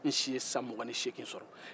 n si ye san mugan ni seegin sɔrɔ